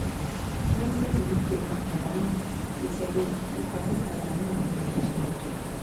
Brexit: UK ‘má kábámọ̀ títí ayé’ nípa pípàdńu àwọn àṣemọ́tò